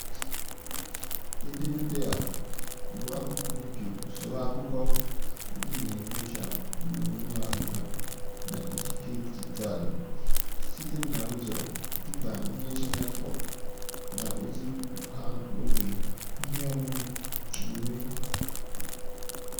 Edemede a bụ akụkụ nke usoro akụkọ ndị na-enyocha nnyonye anya na ikike dijitalụ site na ụzọ dịka mmechi netwọk na ozi ugha n'oge ihe omume ndọrọ ndọrọ ọchịchị dị mkpa na mba asaa dị n'Afịrịka: Algeria, Ethiopia, Mozambique, Naịjirịa, Tunisia, Uganda, na Zimbabwe.